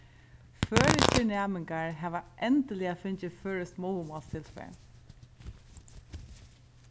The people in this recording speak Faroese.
føroyskir næmingar hava endiliga fingið føroyskt móðurmálstilfar